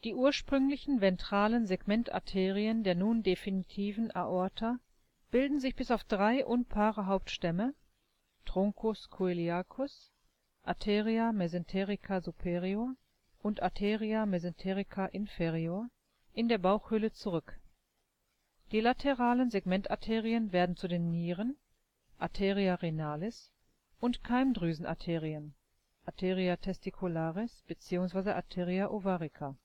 ursprünglichen ventralen Segmentarterien der nun definitiven Aorta bilden sich bis auf drei unpaare Hauptstämme (Truncus coeliacus, Arteria mesenterica superior und Arteria mesenterica inferior) in der Bauchhöhle zurück. Die lateralen Segmentarterien werden zu den Nieren - (Arteria renalis) und Keimdrüsenarterien (Arteria testicularis bzw. Arteria ovarica